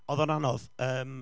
Oedd o'n anodd. Yym.